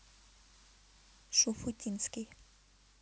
шуфутинский